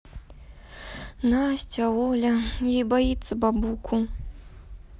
настя оля ей боится бабуку